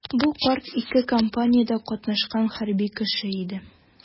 Бу карт ике кампаниядә катнашкан хәрби кеше иде.